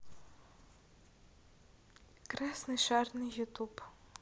красный шар на ютуб